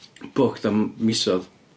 Booked am misoedd.